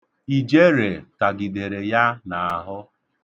Ijere tagidere ya n'ahụ